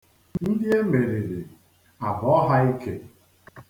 Ndị e meriri, a bọọ ha ike.